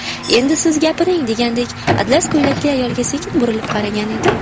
endi siz gapiring degandek atlas ko'ylakli ayolga sekin burilib qaragan edi